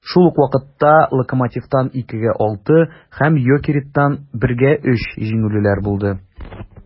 Шул ук вакытта "Локомотив"тан (2:6) һәм "Йокерит"тан (1:3) җиңелүләр булды.